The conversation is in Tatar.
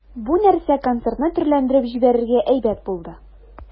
Бу нәрсә концертны төрләндереп җибәрергә әйбәт булды.